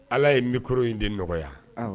Ala ye mikoro in den nɔgɔya